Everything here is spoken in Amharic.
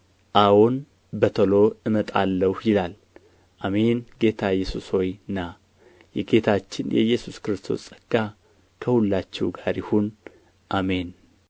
አዎን በቶሎ እመጣለሁ ይላል አሜን ጌታ ኢየሱስ ሆይ ና የጌታችን የኢየሱስ ክርስቶስ ጸጋ ከሁላችን ጋር ይሁን አሜን